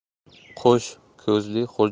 qo'sh ko'zli xurjunini